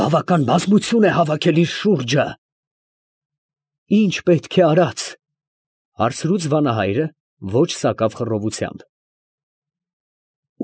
Բավական բազմություն է հավաքել իր շուրջը։ ֊ Ի՞նչ պետք է արած, ֊ հարցրուց վանահայրը ոչ սակավ խռովությամբ։ ֊